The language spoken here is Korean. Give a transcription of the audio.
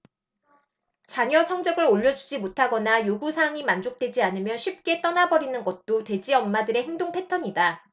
자녀 성적을 올려주지 못하거나 요구사항이 만족되지 않으면 쉽게 떠나 버리는 것도 돼지 엄마들의 행동 패턴이다